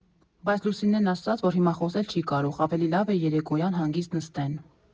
Բայց Լուսինեն ասաց, որ հիմա խոսել չի կարող, ավելի լավ է երեկոյան հանգիստ նստեն։